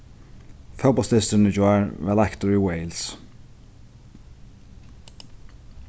fótbóltsdysturin í gjár varð leiktur í wales